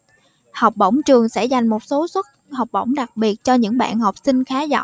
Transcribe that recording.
học bổng trường sẽ giành một số suất học bổng đặc biệt cho những bạn học sinh khá giỏi